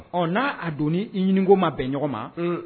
Ɔ n'a a don ni i ɲiniko ma bɛn ɲɔgɔn ma